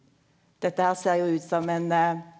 dette her ser jo ut som ein .